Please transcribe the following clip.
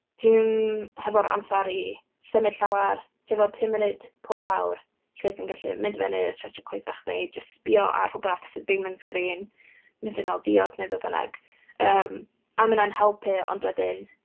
Ti'm hefo'r amser i symud llawer. Ti efo pum munud pob awr lle ti'n gallu mynd fyny, stretsio coesach chdi, jyst sbïo ar rhywbeth sydd ddim yn sgrin. Mynd yn ôl diod neu be bynnag, yym, a ma' hynna'n helpu ond wedyn...